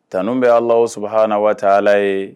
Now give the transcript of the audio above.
T bɛ ala saba h na waa taa ala ye